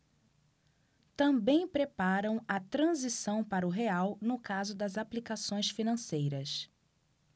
também preparam a transição para o real no caso das aplicações financeiras